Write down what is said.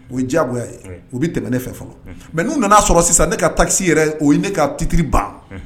O ye diyago ye u bɛ tɛmɛ ne fɛ fɔlɔ mɛ n'u nana sɔrɔ sisan ne ka takisi yɛrɛ o ye ne ka titiriri ban